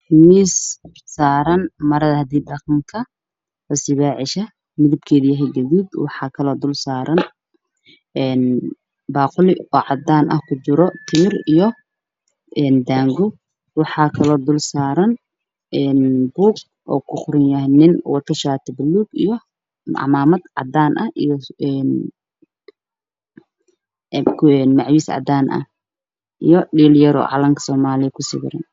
Waa miis waxaa saaran marada hidiyo dhaqanka midabkeedu waa gaduud waxaa dulsaaran baaquli cadaan ah waxaa kujiro timir iyo daango, waxaa kaloo miiska saaran buug uu kuqoran yahay nin waxaa wato shaati buluug iyo cimaamad cadaan ah, macawis cadaan ah iyo dhiil yar oo calanka soomaaliya kusawiran.